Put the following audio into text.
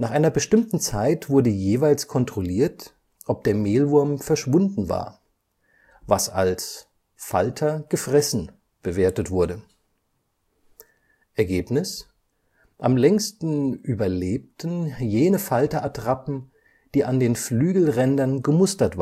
einer bestimmten Zeit wurde jeweils kontrolliert, ob der Mehlwurm verschwunden war, was als ‚ Falter gefressen ‘bewertet wurde. Ergebnis: Am längsten ‚ überlebten ‘jene Falter-Attrappen, die an den Flügelrändern gemustert